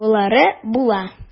Болары була.